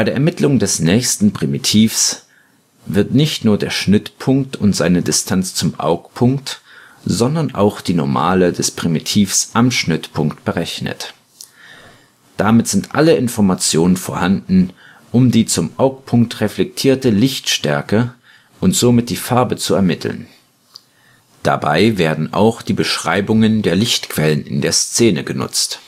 Ermittlung des nächsten Primitivs wird nicht nur der Schnittpunkt und seine Distanz zum Augpunkt, sondern auch die Normale des Primitivs am Schnittpunkt berechnet. Damit sind alle Informationen vorhanden, um die zum Augpunkt reflektierte „ Lichtstärke “und somit die Farbe zu ermitteln. Dabei werden auch die Beschreibungen der Lichtquellen der Szene genutzt